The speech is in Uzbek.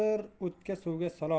o'tdan suvga soladur